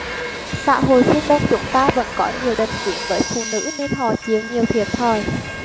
xã hội phương đông chúng ta vẫn có nhiều định kiến với phụ nữ nên họ chịu nhiều thiệt thòi